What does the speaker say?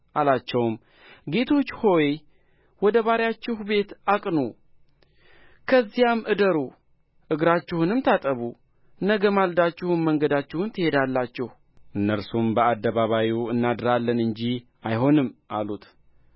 አላቸውም ጌቶቼ ሆይ ወደ ባሪያችሁ ቤት አቅኑ ከዚያም እደሩ እግራችሁንም ታጠቡ ነገ ማልዳችሁም መንገዳችሁን ትሄዳላችሁ እነርሱም በአደባባዩ እናድራለን እንጂ አይሆንም አሉት